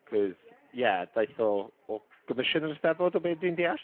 Cos, ie, daeth o o gomisiwn yr Eisteddfod o be dwi'n deall?